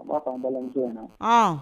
A b''an balima na